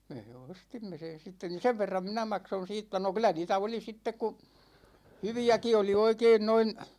me ostimme sen sitten niin sen verran minä maksoin siitä no kyllä niitä oli sitten kun hyviäkin oli oikein noin